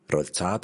Roedd tad...